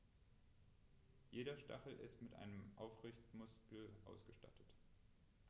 Jeder Stachel ist mit einem Aufrichtemuskel ausgestattet.